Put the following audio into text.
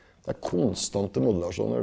det er konstante modulasjoner.